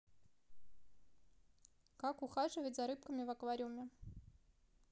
как ухаживать за рыбками в аквариуме